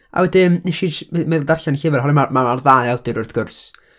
A wedyn, wnes i j- me- meddwl darllen y llyfr oher- ma- ma'r ddau awdur, wrth gwrs...